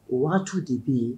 O waati de bɛ yen